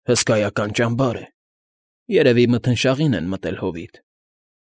Հսկայական ճամբար է։ Երևի մթնշաղին են մտել հովիտ։